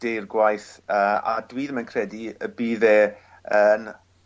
deirgwaith yy a dwi ddim yn credu y bydd e yn